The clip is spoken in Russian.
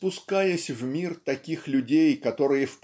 спускаясь в мир таких людей которые